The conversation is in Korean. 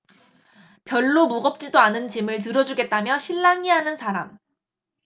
별로 무겁지도 않은 짐을 들어주겠다며 실랑이 하는 사람